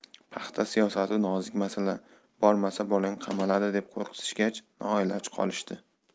paxta siyosati nozik masala bormasa bolang qamaladi deb qo'rqitishgach noiloj qolishdi